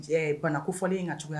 Ban ko fɔlen in ka cogoyaya